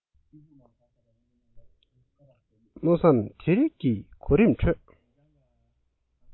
མནོ བསམ དེ རིགས ཀྱི གོ རིམ ཁྲོད